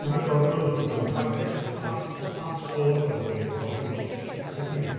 Mae 'na gormod yn dod mewn. We've had... Literally the fast the past four of them have been boys. Excuse me?